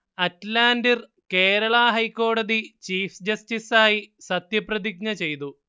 അറ്റ്ലാന്റിർ കേരള ഹൈക്കോടതി ചീഫ് ജസ്റ്റിസായി സത്യപ്രതിജ്ഞ ചെയ്തു